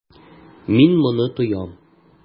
Мин моны тоям.